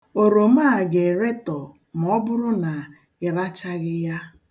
Oroma a ga-eretọ ma obụrụ na ịrachaghị ya.